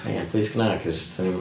Ia plis gwna cause dan ni-